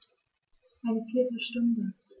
Eine viertel Stunde